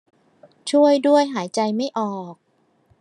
ช่วยด้วยหายใจไม่ออก